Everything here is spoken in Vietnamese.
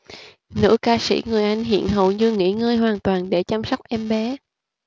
nữ ca sỹ người anh hiện hầu như nghỉ ngơi hoàn toàn để chăm sóc em bé